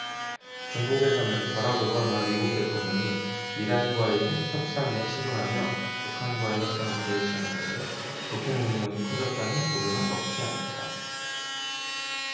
중국에서는 버락 오바마 미국 대통령이 이란과의 핵 협상에 치중하며 북한과의 협상을 도외시한 탓에 북핵 능력이 커졌다는 우려가 적지 않다